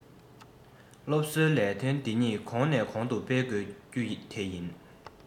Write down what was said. སློབ གསོའི ལས དོན འདི ཉིད གོང ནས གོང དུ སྤེལ དགོས རྒྱུ དེ ཡིན